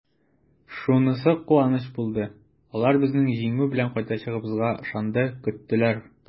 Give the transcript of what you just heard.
Шунысы куанычлы булды: алар безнең җиңү белән кайтачагыбызга ышанды, көттеләр!